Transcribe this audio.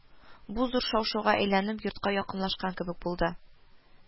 Бу зур шау-шуга әйләнеп йортка якынлашкан кебек булды